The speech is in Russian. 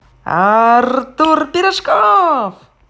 артур пирожков